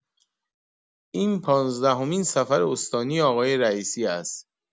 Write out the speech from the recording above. این پانزدهمین سفر استانی آقای رئیسی است.